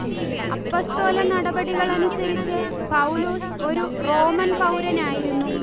അപ്പസ്തോലനടപടികൾ അനുസരിച്ച് പൗലോസ് ഒരു റോമൻ പൗരനായിരുന്നു